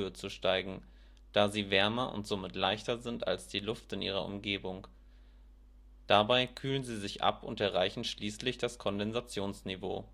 zu steigen, da sie wärmer und somit leichter sind als die Luft in ihrer Umgebung. Dabei kühlen sie sich ab und erreichen schließlich das Kondensationsniveau